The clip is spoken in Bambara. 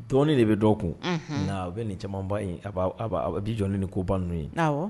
Dɔn de bɛ dɔ kun u bɛ nin camanba in a di jɔn ni koban n' ye